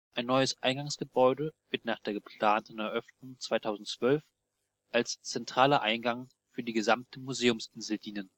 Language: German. Ein neues Eingangsgebäude wird nach der geplanten Eröffnung 2012 als zentraler Eingang für die gesamte Museumsinsel dienen